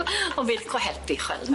On' fi lico helpu ch'wel'.